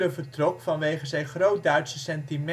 vertrok vanwege zijn Groot-Duitse sentimenten